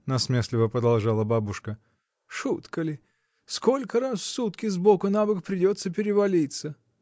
— насмешливо продолжала бабушка, — шутка ли, сколько раз в сутки с боку на бок придется перевалиться!